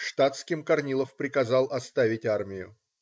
Штатским Корнилов приказал оставить армию.